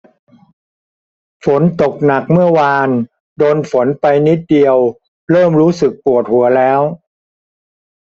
ฝนตกหนักเมื่อวานโดนฝนไปนิดเดียวเริ่มรู้สึกปวดหัวแล้ว